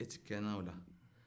e t kɛɲɛna ola